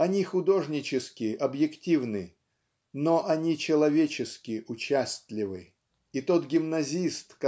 Они художнически объективны, но они человечески участливы. И тот гимназист